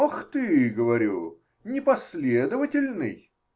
-- Ах, ты, -- говорю, -- непоследовательный?